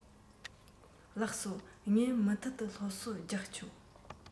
ལགས སོ ངས མུ མཐུད དུ སློབ གསོ རྒྱབ ཆོག